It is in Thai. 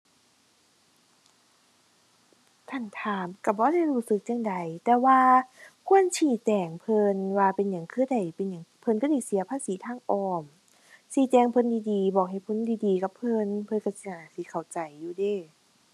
คันถามก็บ่ได้รู้สึกจั่งใด แต่ว่าควรชี้แจงเพิ่นว่าเป็นหยังคือได้ เป็นหยังเพิ่นคือได้เสียภาษีทางอ้อม ก็แจงเพิ่นดีดี บอกเหตุผลดีดีกับเพิ่น เพิ่นก็สิน่าสิเข้าใจอยู่เดะ